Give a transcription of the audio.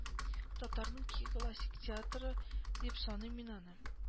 Татарның классик театры дип саныйм мин аны